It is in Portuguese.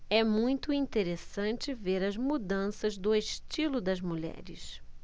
é muito interessante ver as mudanças do estilo das mulheres